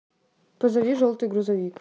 позови желтый грузовик